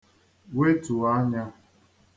wetuo anya